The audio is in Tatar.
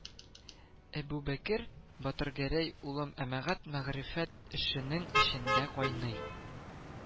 Әбүбәкер Батыргәрәй улы әмәгать-мәгърифәт эшенең эчендә кайный